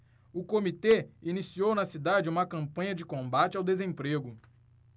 o comitê iniciou na cidade uma campanha de combate ao desemprego